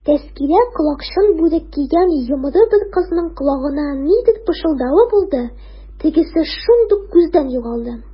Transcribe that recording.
Тәзкирә колакчын бүрек кигән йомры бер кызның колагына нидер пышылдавы булды, тегесе шундук күздән югалды.